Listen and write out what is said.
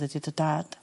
...ydi dy dad.